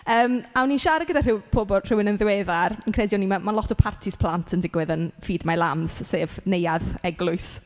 Yym a o'n i'n siarad gyda rhyw pobl... rhywun yn ddiweddar. Fi'n credu o'n i mewn... ma' lot o partis plant yn digwydd yn Feed My Lambs, sef neuadd eglwys.